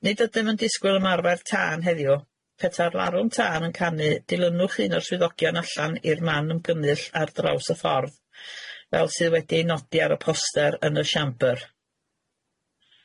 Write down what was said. Nid ydym yn disgwyl ymarfer tân heddiw, petar larwm tân yn canu dilynwch un o'r swyddogion allan i'r man ymgymull ar draws y ffordd, fel sydd wedi'i nodi ar y poster yn y siambr.